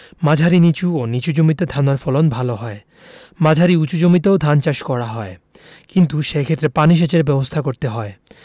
মাঝারি নিচু ও নিচু জমিতে ধানের ফলন ভালো হয় মাঝারি উচু জমিতেও ধান চাষ করা হয় কিন্তু সেক্ষেত্রে পানি সেচের ব্যাবস্থা করতে হয়